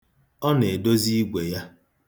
Ọ na-edozi igwe ya.